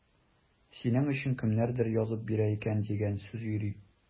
Синең өчен кемнәрдер язып бирә икән дигән сүз йөри.